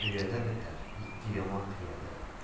bitar ikki yomon qiyada